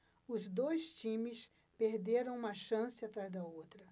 os dois times perderam uma chance atrás da outra